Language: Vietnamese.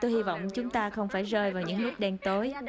tôi hy vọng chúng ta không phải rơi vào những lúc đen tối